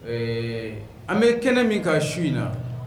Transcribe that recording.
Ɛɛ an bɛ kɛnɛ min kan su in na